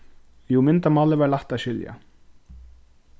jú myndamálið var lætt at skilja